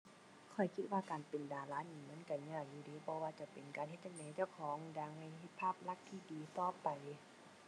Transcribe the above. ข้อยคิดว่าการเป็นดารานี่มันก็ยากอยู่เดะ บ่ว่าจะเป็นการเฮ็ดจั่งใดให้เจ้าของดัง เฮ็ดภาพลักษณ์ที่ดีต่อไป